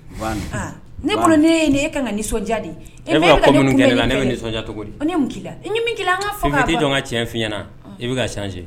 Van aa ne bolo Van n'e ye ne ye e kaan ka nisɔndiya de e be ka ko minnu kɛ ne la ne bɛ nisɔndiya cogodi ɔn ne ye mun k'i la e ɲe min k'i la an ŋa fɔ ka ban Bébé i t'i jɔ n ka tiɲɛ f'i ɲɛna a unh i be ka changer